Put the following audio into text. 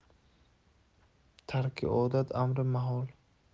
tarki odat amri mahol